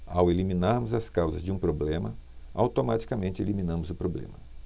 ao eliminarmos as causas de um problema automaticamente eliminamos o problema